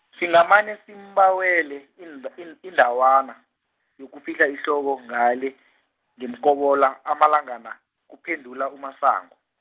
singamane simbawele in- ind- indawana, yokufihla ihloko ngale, ngeMkobola amalangana, kuphendula uMasango.